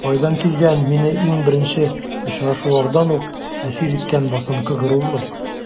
Кайдан килгән мине иң беренче очрашулардан үк әсир иткән басынкы горурлык?